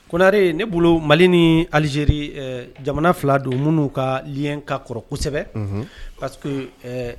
Konare ne bolo mali ni alizeri jamana fila don minnuu ka ka kɔrɔ kosɛbɛ parce que